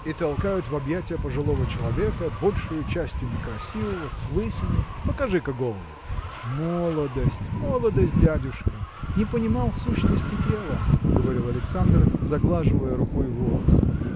и толкают в объятия пожилого человека большею частью некрасивого с лысиной. Покажи-ка голову. – Молодость, молодость, дядюшка! Не понимал сущности дела – говорил Александр заглаживая рукой волосы.